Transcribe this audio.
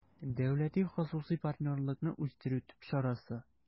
«дәүләти-хосусый партнерлыкны үстерү» төп чарасы